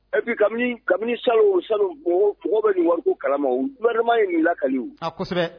Pi kabini kabini sa o sa o mɔgɔ bɛ nin wari kalama balima ye nin laka kosɛbɛ